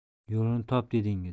yo'lini top dedingiz